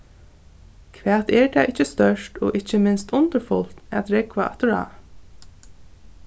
hvat er tað ikki stórt og ikki minst undurfult at rógva afturá